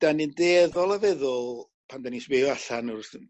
'dan ni'n dueddol a feddwl pan 'dan ni'n sbio allan wrth yn...